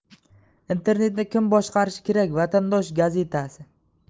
internetni kim boshqarishi kerak vatandosh gazetasi